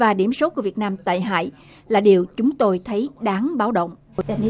và điểm số của việt nam tại hai là điều chúng tôi thấy đáng báo động